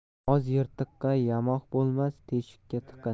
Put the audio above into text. oz yirtiqqa yamoq bo'lmas teshikka tiqin